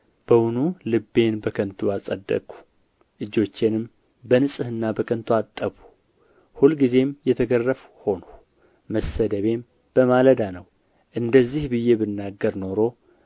በውኑ ልቤን በከንቱ አጸደቅሁ እጆቼንም በንጽሕና በከንቱ አጠብሁ ሁልጊዜም የተገረፍሁ ሆንሁ መሰደቤም በማለዳ ነው እንደዚህ ብዬ ብናገር ኖሮ